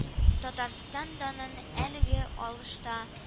Татарстан данын әлеге алышта